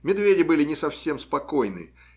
Медведи были не совсем спокойны